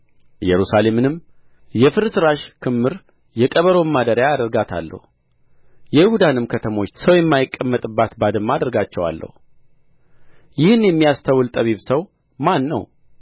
ኢየሩሳሌምንም የፍርስራሽ ክምር የቀበሮም ማደሪያ አደርጋታለሁ የይሁዳንም ከተሞች ሰው የማይቀመጥባት ባድማ አደርጋቸዋለሁ ይህን የሚያስተውል ጠቢብ ሰው ማን ነው